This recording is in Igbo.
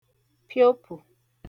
piopụ̀